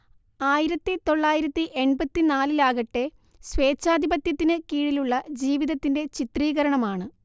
ആയിരത്തിതൊള്ളായിരത്തി എൺപത്തിനാലിലാകട്ടെ സ്വേച്ഛാധിപത്യത്തിന് കീഴിലുള്ള ജീവിതത്തിന്റെ ചിത്രീകരണമാണ്